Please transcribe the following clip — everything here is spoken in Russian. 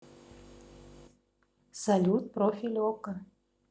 салют профиль okko